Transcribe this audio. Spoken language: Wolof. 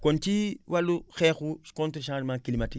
kon ci wàllu xeexu contre changement climatique